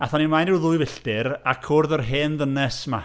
Aethon ni mlaen ryw ddwy filltir a cwrdd â'r hen ddynes 'ma.